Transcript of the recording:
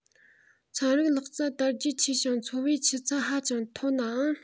ཚན རིག ལག རྩལ དར རྒྱས ཆེ ཞིང འཚོ བའི ཆུ ཚད ཧ ཅང མཐོ ནའང